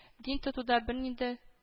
Дин тотуда бернинде